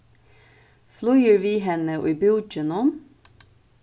flýgur við henni í búkinum